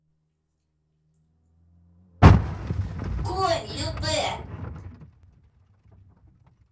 конь любэ